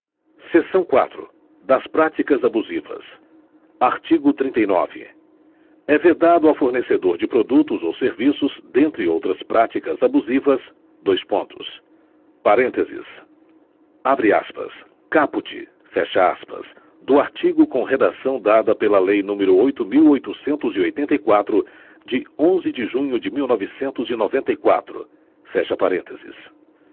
seção quatro das práticas abusivas artigo trinta e nove é vedado ao fornecedor de produtos ou serviços dentre outras práticas abusivas dois pontos parênteses abre aspas caput fecha aspas do artigo com redação dada pela lei número oito mil oitocentos e oitenta e quatro de onze de junho de mil novecentos e noventa e quatro fecha parênteses